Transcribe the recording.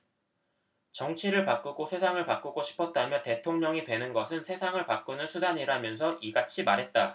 정치를 바꾸고 세상을 바꾸고 싶었다며 대통령이 되는 것은 세상을 바꾸는 수단이라면서 이같이 말했다